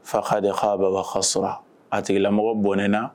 Fa ka de ha baba sɔrɔ a tigilamɔgɔ bɔnnenna